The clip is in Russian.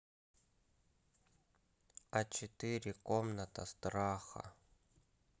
а четыре комната страха